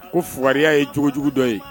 Ko fug ye cogojugu dɔ ye